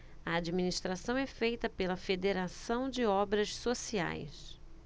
a administração é feita pela fos federação de obras sociais